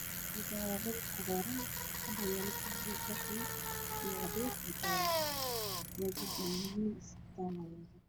Halkaan waa dhul cagaaran maxaa yeelo kursi ay gallalkiisu yahay madow dhacdadan